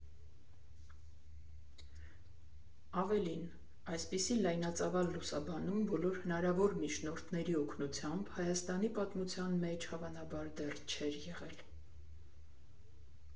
Ավելին՝ այսպիսի լայնածավալ լուսաբանում բոլոր հնարավոր միջնորդների օգնությամբ Հայաստանի պատմության մեջ, հավանաբար, դեռ չէր եղել։